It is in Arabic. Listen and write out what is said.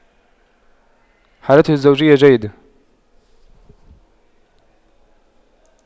حالته الزوجية جيدة